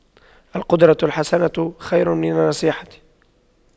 القدوة الحسنة خير من النصيحة